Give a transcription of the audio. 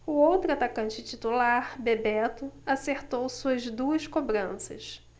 o outro atacante titular bebeto acertou suas duas cobranças